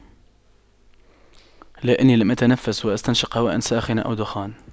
لا إني لم أتنفس وأستنشق هواء ساخنا أو دخان